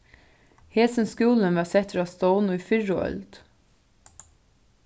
hesin skúlin var settur á stovn í fyrru øld